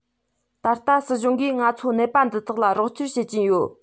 ད ལྟ སྲིད གཞུང གིས ང ཚོ ནད པ འདི དག ལ རོགས སྐྱོར བྱེད ཀྱིན ཡོད